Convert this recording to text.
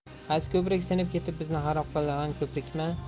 qaysi ko'prik sinib ketib bizni xarob qilg'an ko'prikma